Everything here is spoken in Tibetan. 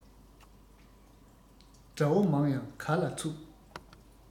དགྲ བོ མང ཡང ག ལ ཚུགས